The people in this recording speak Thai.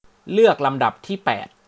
เลือกลำดับที่แปด